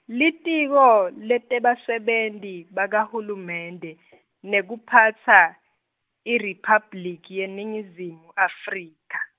Litiko, leTebasebenti, bakaHulumende , neKuphatsa, IRiphabliki yeNingizimu Afrika.